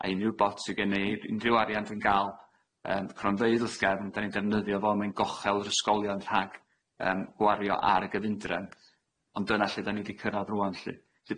a unrhyw bot sy' gennai, unrhyw arian dwi'n ga'l, yym cronfeydd wrth gefn, 'dan ni'n defnyddio fo, ma'n gochel yr ysgolion rhag yym gwario ar y gyfundrefn, ond dyna lle 'dan ni 'di cyrradd rŵan lly.